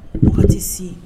Mɔgɔ tɛ se yen